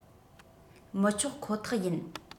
མི ཆོག ཁོ ཐག ཡིན